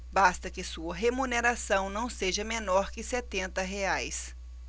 basta que sua remuneração não seja menor que setenta reais